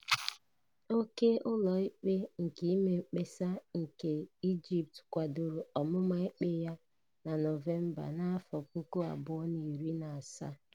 Óké Ụlọikpe nke Ime Mkpesa nke Egypt kwadoro ọmụma ikpe ya na Nọvemba 2017.